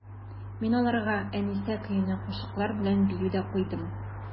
Мин аларга «Әнисә» көенә кашыклар белән бию дә куйдым.